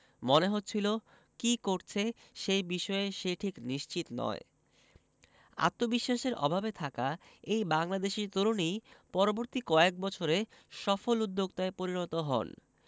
মনে হচ্ছিল কী করছে সেই বিষয়ে সে ঠিক নিশ্চিত নয় আত্মবিশ্বাসের অভাবে থাকা এই বাংলাদেশি তরুণই পরবর্তী কয়েক বছরে সফল উদ্যোক্তায় পরিণত হন